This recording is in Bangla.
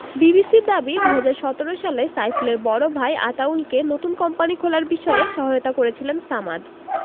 বিবিসির দাবি ২০১৭ সালে সাইফুলের বড় ভাই আতাউলকে নতুন কোম্পানি খোলার বিষয়ে সহায়তা করেছিলেন সামাদ